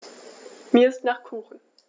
Mir ist nach Kuchen.